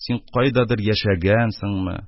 Син кайдадыр яшәгәнсеңме,